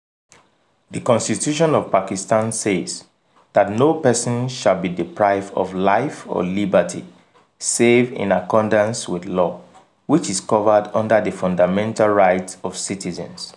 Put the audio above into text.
The Constitution of Pakistan says that "No person shall be deprived of life or liberty save in accordance with law," which is covered under the Fundamental Rights of citizens.